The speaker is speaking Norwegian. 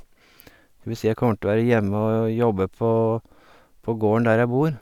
Det vil si, jeg kommer til å være hjemme og jobbe på på gården der jeg bor.